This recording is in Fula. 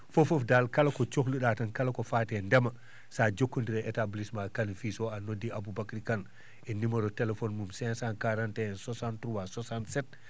fof fof daal kala ko cohluɗa tan kala ko faati e ndema sa jokkonndirii e établissement et fils tan o a noddi Aboubacry Kane e numéro téléphone mum 541 63 67